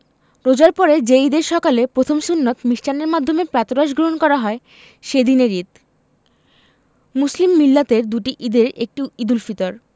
রোজার পরে যে ঈদের সকালে প্রথম সুন্নত মিষ্টান্নের মাধ্যমে প্রাতরাশ গ্রহণ করা হয় সে দিনের ঈদ মুসলিম মিল্লাতের দুটি ঈদের একটি ঈদুল ফিতর